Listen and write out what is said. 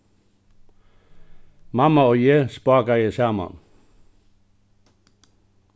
mamma og eg spákaði saman